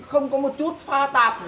không có một chút pha tạp